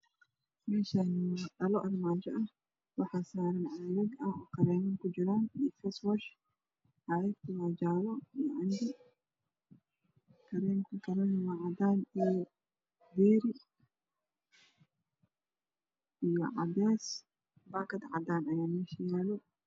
Meshan waa dhalo armajo ah waxa saran cagag karemo ku jiran caagagtana waa jalo karemka kalane waa cadan iyo beri iyo cades iyo bakad cadan aya mesha yaalo